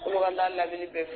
Kolokanta lamini bɛ fɛ